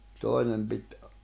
toinen piti